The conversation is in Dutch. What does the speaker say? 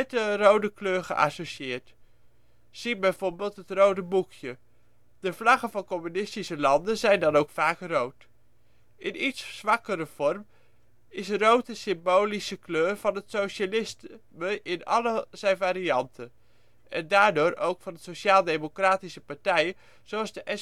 de rode kleur geassocieerd, zie bijvoorbeeld het Rode Boekje. De vlaggen van communistische landen zijn dan ook vaak rood. In iets zwakkere vorm is rood de symbolische kleur van het socialisme in al zijn varianten, en daardoor ook van de sociaal-democratische partijen als de Sp.a